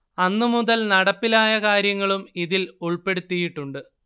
അന്നുമുതൽ നടപ്പിലായ കാര്യങ്ങളും ഇതിൽ ഉൾപ്പെടുത്തിയിട്ടുണ്ട്